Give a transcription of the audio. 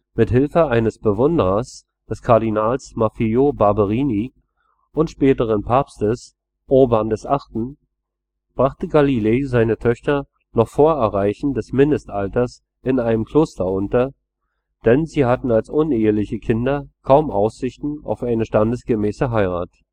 Mit Hilfe eines Bewunderers, des Kardinals Maffeo Barberini und späteren Papstes Urban VIII., brachte Galilei seine Töchter noch vor Erreichen des Mindestalters in einem Kloster unter, denn sie hatten als uneheliche Kinder kaum Aussichten auf eine standesgemäße Heirat